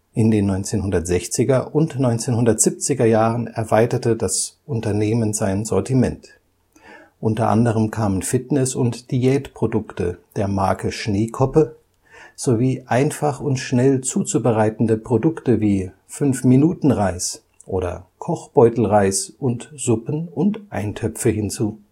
In den 1960er und 1970er Jahren erweiterte das Unternehmen sein Sortiment, u. a. kamen Fitness - und Diätprodukte der Marke Schneekoppe sowie einfach und schnell zuzubereitende Produkte wie 5-Minuten-Reis oder Kochbeutelreis und Suppen und Eintöpfe hinzu